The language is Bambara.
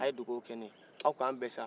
a ye dugawu kɛ ne ye aw k'an bɛn sa